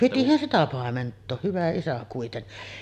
pitihän sitä paimentaa hyvä isä kuitenkin